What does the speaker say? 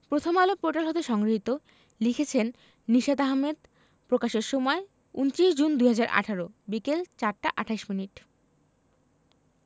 Prothom Alo portal হতে সংগৃহীত লিখেছেন নিশাত আহমেদ প্রকাশের সময় ২৯ জুন ২০১৮ বিকেল ৪টা ২৮ মিনিট